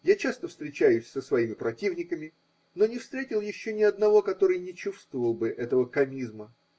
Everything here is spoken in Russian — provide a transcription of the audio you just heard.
Я часто встречаюсь со своими противниками, но не встретил еще ни одного, который не чувствовал бы этого комизма.